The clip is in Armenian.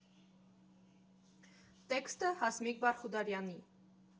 Տեքստը՝ Հասմիկ Բարխուդարյանի։